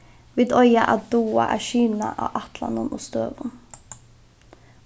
vit eiga at duga at skyna á ætlanum og støðum